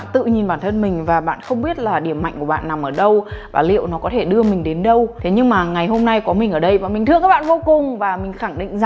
tự nhìn bản thân mình và bạn không biết là điểm mạnh của bạn nằm ở đâu và liệu nó có thể đưa mình đến đâu thế nhưng mà ngày hôm nay có mình ở đây và mình thương các bạn vô cùng và mình khẳng định rằng